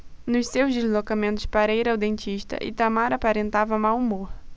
nos seus deslocamentos para ir ao dentista itamar aparentava mau humor